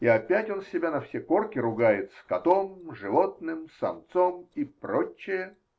И опять он себя на все корки ругает: скотом, животным, самцом и прочая.